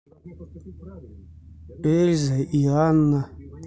эльза и анна